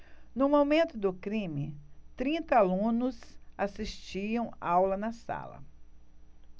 no momento do crime trinta alunos assistiam aula na sala